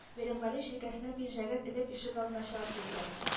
Бәйрәмгали җилкәсенә пинжәген элеп ишегалдына чыгып китте